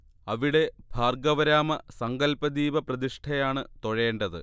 അവിടെ ഭാർഗ്ഗവരാമ സങ്കല്പ ദീപപ്രതിഷ്ഠയാണ് തൊഴേണ്ടത്